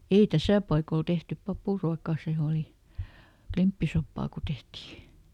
ei tässä paikoilla tehty papuruokaa se oli klimppisoppaa kun tehtiin